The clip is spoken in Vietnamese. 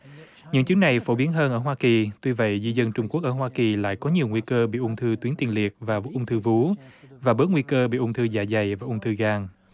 những chứng này phổ biến hơn ở hoa kỳ tuy vậy di dân trung quốc ở hoa kỳ lại có nhiều nguy cơ bị ung thư tuyến tiền liệt và ung thư vú và bớt nguy cơ bị ung thư dạ dày và ung thư gan